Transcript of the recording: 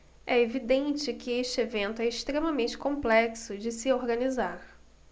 é evidente que este evento é extremamente complexo de se organizar